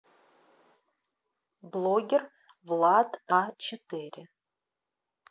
блогер влад а четыре